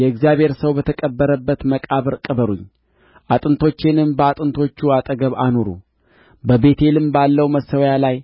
የእግዚአብሔር ሰው በተቀበረበት መቃብር ቅበሩኝ አጥንቶቼንም በአጥንቶቹ አጠገብ አኑሩ በቤቴል ባለው መሠዊያ ላይ